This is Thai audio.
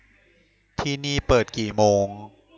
ที่นี่เปิดกี่โมง